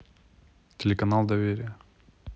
телеканал доверие